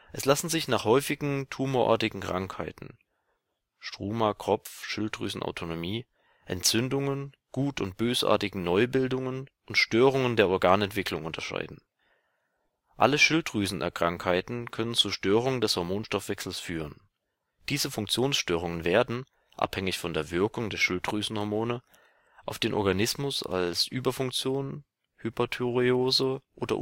Es lassen sich nach Häufigkeit tumorartige Krankheiten (Struma (Kropf), Schilddrüsenautonomie), Entzündungen, gut - und bösartige Neubildungen und Störungen der Organentwicklung unterscheiden. Alle Schilddrüsenkrankheiten können zu Störungen des Hormonstoffwechsels führen. Diese Funktionsstörungen werden – abhängig von der Wirkung der Schilddrüsenhormone auf den Organismus – als Überfunktion (Hyperthyreose) oder Unterfunktion